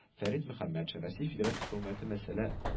Фәрит Мөхәммәтшин, Россия Федрация Хөкүмәте мәсьәлә